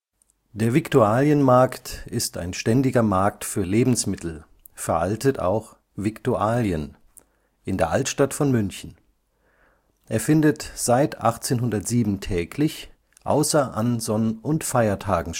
Der Viktualienmarkt ist ein ständiger Markt für Lebensmittel (veraltet auch Viktualien) in der Altstadt von München. Er findet seit 1807 täglich, außer an Sonn - und Feiertagen